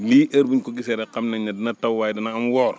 lii heure bu ~u ko gisee rek xam nañ ne dina taw waaye dana am woor